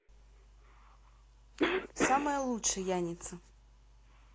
самая лучшая яница